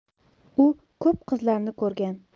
u ko'p qizlarni ko'rgan